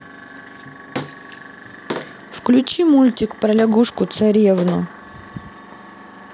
включи мультик про лягушку царевну